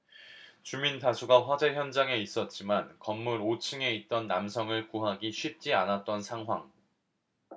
주민 다수가 화재 현장에 있었지만 건물 오 층에 있던 남성을 구하기 쉽지 않았던 상황